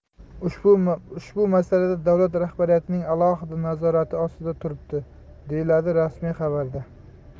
ushbu masala davlat rahbariyatining alohida nazorati ostida turibdi deyiladi rasmiy xabarda